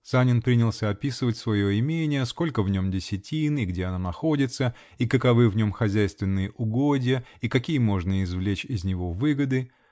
Санин принялся описывать свое имение, сколько в нем десятин, и где оно находится, и каковы в нем хозяйственные угодья, и какие можно извлечь из него выгоды.